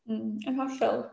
Mm, yn hollol.